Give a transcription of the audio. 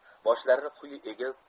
boshlarini quyi egib